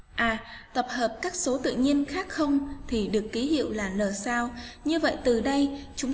tập hợp các số tự nhiên khác thì được kí hiệu là n sao như vậy từ đây